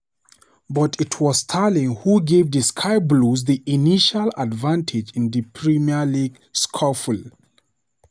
But it was Sterling who gave the Sky Blues the initial advantage in the Premier League scuffle.